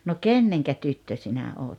no kenen tyttö sinä olet